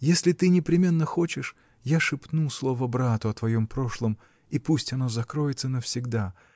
Если ты непременно хочешь, я шепну слово брату о твоем прошлом — и пусть оно закроется навсегда!